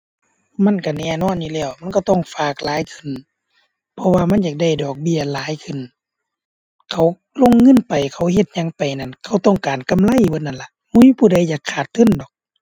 ถ้ามองในมุมที่ คนที่บ่มีเลย มันก็ก็พัฒนาชีวิตคนอยู่ เพราะว่ามันก็เป็นเงินก้อนหนึ่งที่ก็ไปยืมมาแล้วก็สามารถต่อชีวิต ต่อคุณภาพก็ไปได้อีก